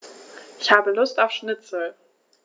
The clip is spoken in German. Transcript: Ich habe Lust auf Schnitzel.